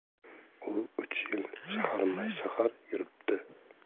u uch yil shaharma shahar yuribdi